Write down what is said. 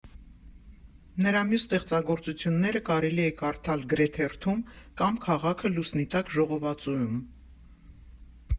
Նրա մյուս ստեղծագործությունները կարելի է կարդալ «Գրեթերթում» կամ «Քաղաքը լուսնի տակ» ժողովածուում։